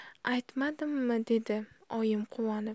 aytmadimmi dedi oyim quvonib